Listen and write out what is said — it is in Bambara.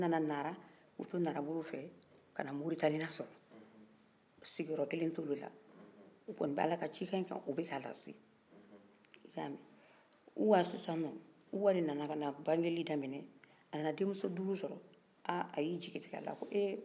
u nana nara u y'o to narabolo fɛw kana moritani lasɔrɔ sigin yɔrɔ kelen t'olu la u bɛ ala ka cikan in ka u bɛ kalasen uwa sisanɔn uwa de nana kana bankeli daminɛ a nana den muso duru sɔrɔ ah a y'i jitigɛ a ko hee